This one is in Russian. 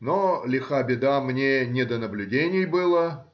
но, лиха беда, мне не до наблюдений было